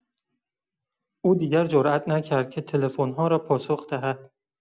او دیگر جرئت نکرد که تلفن‌ها را پاسخ دهد.